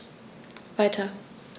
Weiter.